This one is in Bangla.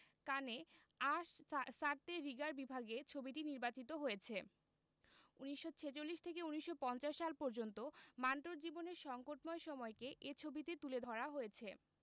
কানে আঁ সারতে রিগার বিভাগে ছবিটি নির্বাচিত হয়েছে ১৯৪৬ থেকে ১৯৫০ সাল পর্যন্ত মান্টোর জীবনের সংকটময় সময়কে এ ছবিতে তুলে ধরা হয়েছে